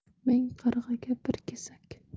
ming qarg'aga bir kesak